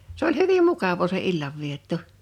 se oli hyvin mukavaa se illanvietto